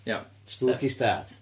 Iawn, spooky start.